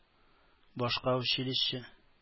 Башка училище